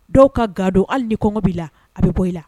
Dɔw ka ga don hali ni kɔngɔ b'i la a bɛ bɔ i la